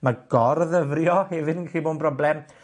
Ma gor-ddyfrio hefyd yn gallu bo'n broblem.